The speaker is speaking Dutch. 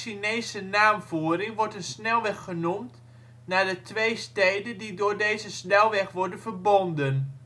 naamvoering wordt een snelweg genoemd naar de twee steden die door deze snelweg worden verbonden